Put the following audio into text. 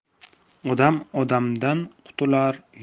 odam odamdan qutular